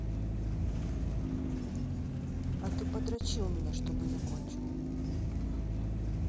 а ты подрочи у меня чтобы я кончил